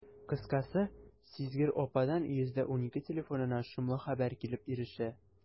Кыскасы, сизгер ападан «112» телефонына шомлы хәбәр килеп ирешә.